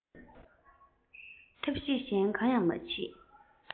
ཐབས ཤེས གཞན གང ཡང མ མཆིས